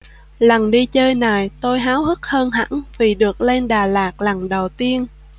lần đi chơi này tôi háo hức hơn hẳn vì được lên đà lạt lần đầu tiên